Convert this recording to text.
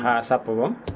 haa sappo bom